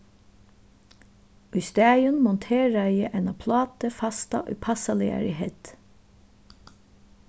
í staðin monteraði eg ein plátu fasta í passaligari hædd